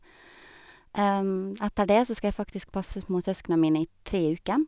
Etter det så skal jeg faktisk passe småsøskena mine i tre uker.